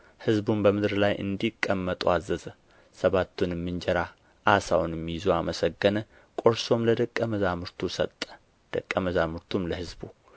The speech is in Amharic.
ሕዝቡም በምድር ላይ እንዲቀመጡ አዘዘ ሰባቱንም እንጀራ ዓሣውንም ይዞ አመሰገነ ቈርሶም ለደቀ መዛሙርቱ ሰጠ ደቀ መዛሙርቱም ለሕዝቡ